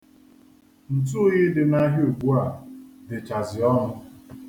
Ntụoyi dị n'ahịa ugbua dịchazị ọnụ.